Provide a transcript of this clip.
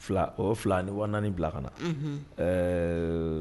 Fila ni wa bila ka na ɛɛ